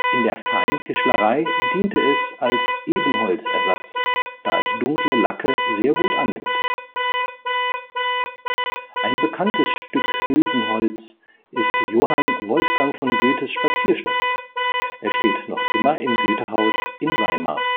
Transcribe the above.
In der Feintischlerei diente es als Ebenholz­ersatz, da es dunkle Lacke sehr gut annimmt. Ein bekanntes Stück Hülsenholz ist Johann Wolfgang von Goethes Spazierstock; er steht noch immer im Goethehaus in Weimar